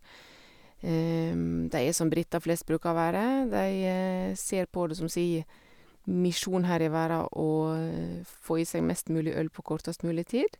De er som briter flest bruker å være, de ser på det som si misjon her i verda å få i seg mest mulig øl på kortest mulig tid.